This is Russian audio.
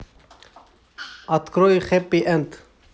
открой хеппи энд